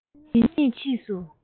འདི གཉིས ཆེད དུ